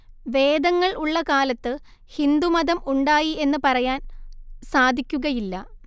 വേദങ്ങൾ ഉള്ള കാലത്ത് ഹിന്ദു മതം ഉണ്ടായി എന്ന് പറയാൻ സാധിക്കുകയില്ല